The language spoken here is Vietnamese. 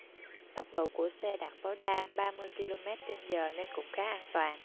tốc độ của xe đạt tối đa ba mươi ki lô mét trên giờ nên cũng khá an toàn